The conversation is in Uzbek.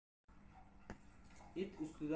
it usti